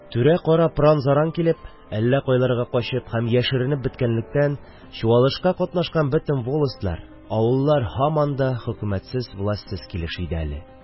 Түрә-кара пыран-заран килеп, әллә кайларга качып һәм яшеренеп беткәнлектән, чуалышка катнашкан бөтен волостьлар, авыллар һаман да хөкүмәтсез-властьсыз килеш иде әле.